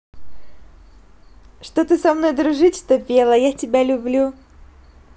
что ты со мной дружить что пела я тебя люблю